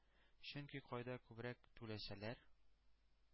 Чөнки кайда күбрәк түләсәләр,